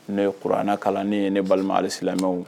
N neo ye kura an kalan ni ye ne balima alisimɛw